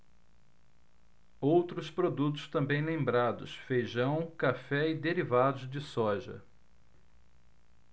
outros produtos também lembrados feijão café e derivados de soja